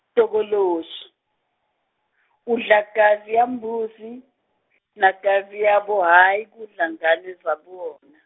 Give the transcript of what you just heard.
tokoloshi, udla gazi yambuzi, nagazi yabo hhayi kudla ngane zabona.